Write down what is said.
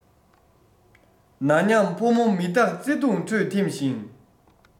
ན མཉམ ཕོ མོ མི རྟག བརྩེ དུངས ཁྲོད འཐིམས ཤིང